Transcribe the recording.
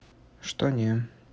что не